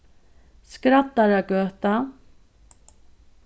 skraddaragøta